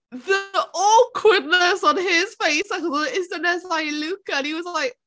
the awkwardness on his face achos oedd e'n iste drws nesa i Luca and he was like...